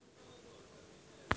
фильм по произведениям русских писателей